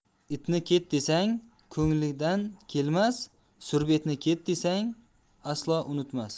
itni ket desang ko'ngliga kelmas surbetni ket desang aslo unutmas